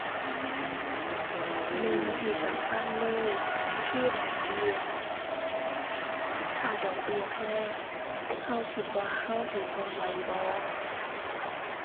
หนึ่งที่สำคัญเลยคือดอกเบี้ย ถ้าดอกเบี้ยแพงเราคิดว่าเราสิส่งไหวบ่